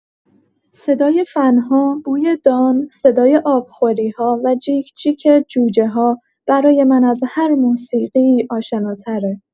صدای فن‌ها، بوی دان، صدای آبخوری‌ها و جیک‌جیک جوجه‌ها برای من از هر موسیقی‌ای آشناتره.